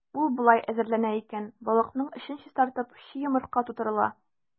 Ул болай әзерләнә икән: балыкның эчен чистартып, чи йомырка тутырыла.